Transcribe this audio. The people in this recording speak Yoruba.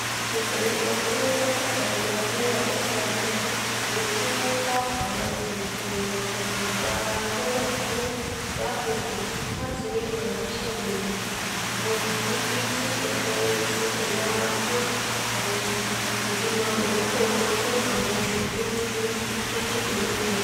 Obìnrin kan tíwọ́n tọ́jú pẹ̀lú abẹ́rẹ́ àjẹsára náà, èyití ó ńkọ́ àwọn ètò ìlànà àgọ́-ara tówà fún ìdáààbòbò láti ri àwọn ṣẹ̵́ẹ̀lì olè, ríi ti jẹjẹrẹ ti ẹ̀yà-ara fún ẹyin ìbímọ rẹ̀ pòórá fún àwọn oṣù tóju méjìdínlógún lọ.